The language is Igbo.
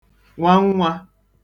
nwannwā